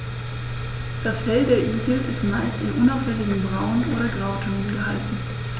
Das Fell der Igel ist meist in unauffälligen Braun- oder Grautönen gehalten.